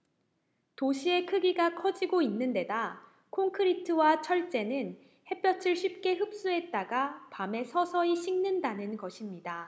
도시의 크기가 커지고 있는 데다 콘크리트와 철재는 햇볕을 쉽게 흡수했다가 밤에 서서히 식는다는 것입니다